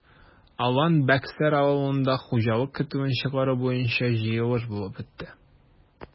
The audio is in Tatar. Алан-Бәксәр авылында хуҗалык көтүен чыгару буенча җыелыш булып үтте.